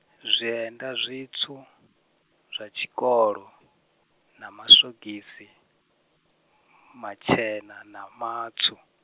zwienda zwitswu, zwa tshikolo, na maswogisi, matshena na matswu.